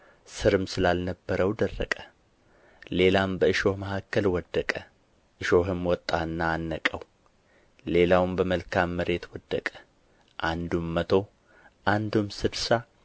ሥርም ስላልነበረው ደረቀ ሌላውም በእሾህ መካከል ወደቀ እሾህም ወጣና አነቀው ሌላውም በመልካም መሬት ወደቀ አንዱም መቶ አንዱም ስድሳ